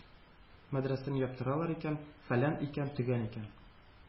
Мәдрәсәне яптыралар икән, фәлән икән, төгән икән!